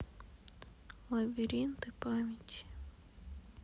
лабиринты памяти